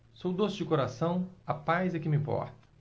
sou doce de coração a paz é que me importa